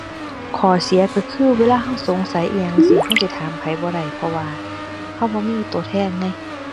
ข้อเสียก็คือเวลาก็สงสัยอิหยังจั่งซี้ ก็สิถามไผบ่ได้ เพราะว่าก็บ่มีก็แทนไง